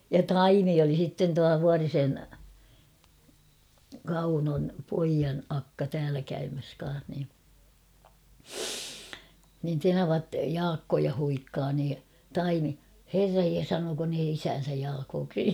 ja Taimi oli sitten tuo Vuorisen Kaunon pojan akka täällä käymässä kanssa niin niin tenavat Jaakkoa huikkaa niin Taimi herran jee sanooko ne isäänsä Jaakoksi